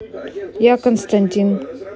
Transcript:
я константин